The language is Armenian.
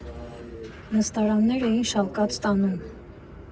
Նստարաններ էին շալկած տանում։